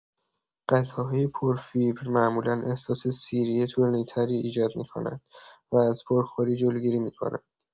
غذاهای پرفیبر معمولا احساس سیری طولانی‌تری ایجاد می‌کنند و از پرخوری جلوگیری می‌کنند.